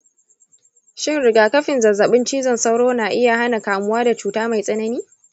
shin rigakafin zazzabin cizon sauro na iya hana kamuwa da cuta mai tsanani?